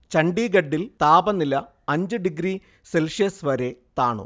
ചണ്ഡീഗഢിൽ താപനില അഞ്ച് degree Celsius വരെ താണു